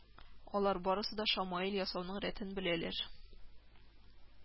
Алар барысы да шамаил ясауның рәтен беләләр